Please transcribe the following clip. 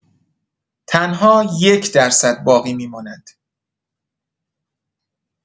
تنها یک درصد باقی می‌ماند.